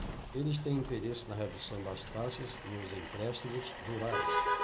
eles têm interesse na redução das taxas nos empréstimos rurais